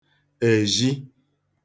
èzhi